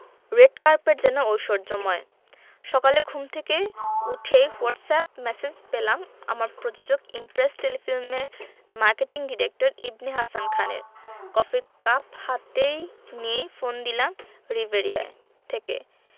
red carpet যেন ঐশ্বর্যময় সকালে ঘুম থেকে উঠেই হোয়াটসঅ্যাপ ম্যাসেজ পেলাম আমার প্রযোজক ইমপ্রেস টেলিফিল্মের মার্কেটিং ডিরেক্টর ইবনে হাসান খানের কফির কাপ হাতেই নিয়ে ফোন দিলাম রিভেরিয়া থেকে